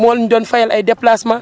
moo leen doon fayal ay déplacements